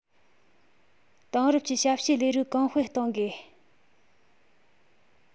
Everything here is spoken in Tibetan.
དེང རབས ཀྱི ཞབས ཞུའི ལས རིགས གོང སྤེལ གཏོང དགོས